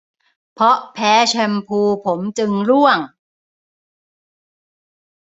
เพราะแพ้แชมพูผมจึงร่วง